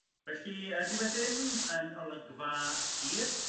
Felly yy dyw e ddim yn olygfa hir